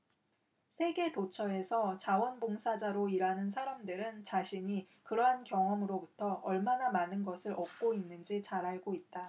세계 도처에서 자원 봉사자로 일하는 사람들은 자신이 그러한 경험으로부터 얼마나 많은 것을 얻고 있는지 잘 알고 있다